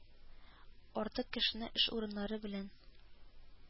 Артык кешене эш урыннары белән